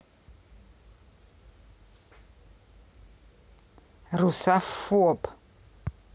русофоб